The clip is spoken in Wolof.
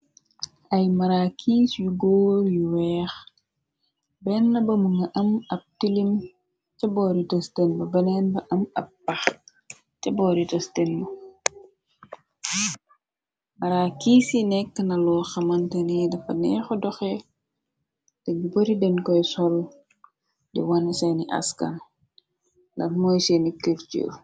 ay marakiis yu góor yu weex benn bamu nga am ab tilim cax boori tëstënb beneen ba am ab pax ca boori testenb marakiis ci nekk naloo xamantanee dafa neexu doxe te gu bari den koy sol di wan saeni askan la mooy seeni curtur.